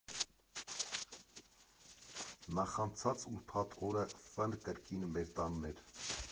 Նախանցած ուրբաթ օրը Ֆ֊ն կրկին մեր տանն էր։